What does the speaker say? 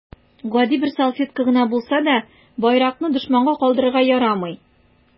Гади бер салфетка гына булса да, байракны дошманга калдырырга ярамый.